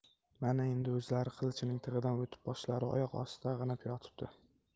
mana endi o'zlari qilichning tig'idan o'tib boshlari oyoq ostida ag'anab yotibdi